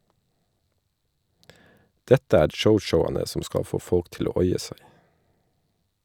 Dette er chow-chowane som skal få folk til å oia seg.